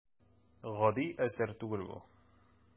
Гади әсәр түгел бу.